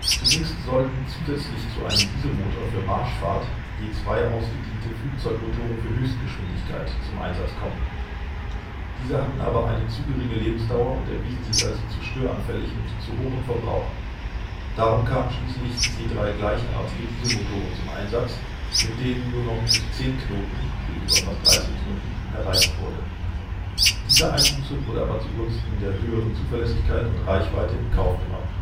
Zunächst sollten zusätzlich zu einem Dieselmotor für Marschfahrt je zwei ausgediente Flugzeugmotoren für Höchstgeschwindigkeit zum Einsatz kommen. Diese hatten aber eine zu geringe Lebensdauer und erwiesen sich als zu störanfällig und zu hoch im Verbrauch, darum kamen schließlich je drei gleichartige Dieselmotoren zum Einsatz, mit denen nur noch gut 10 kn (gegenüber fast 13) erreicht wurde. Diese Einbuße wurde aber zugunsten der höheren Zuverlässigkeit und Reichweite in Kauf genommen